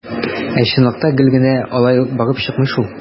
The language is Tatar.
Ә чынлыкта гел генә алай барып чыкмый шул.